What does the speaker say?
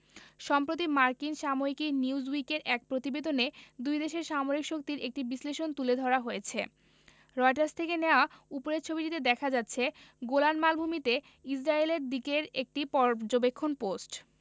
সম্প্রতি মার্কিন সাময়িকী নিউজউইকের এক প্রতিবেদনে দুই দেশের সামরিক শক্তির একটি বিশ্লেষণ তুলে ধরা হয়েছে রয়টার্স থেকে নেয়া উপরের ছবিটিতে দেখা যাচ্ছে গোলান মালভূমিতে ইসরায়েলের দিকের একটি পর্যবেক্ষণ পোস্ট